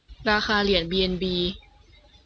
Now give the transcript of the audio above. ราคาเหรียญบีเอ็นบี